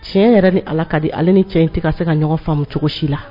Tiɲɛ yɛrɛ ni Ala ka di ale ni cɛ in tɛ ka se ka ɲɔgɔn faamu cogo si la